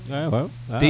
wawaw